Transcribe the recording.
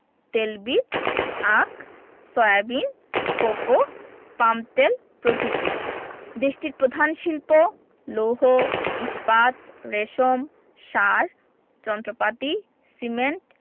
তেলবীজ আখ soybean cocoa পামতেল প্রভৃতি দেশটির প্রধান শিল্প লৌহ ইস্পাত রেশম সার যন্ত্রপাতি সিমেন্ট